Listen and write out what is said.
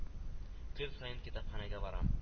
Көн саен китапханәгә барам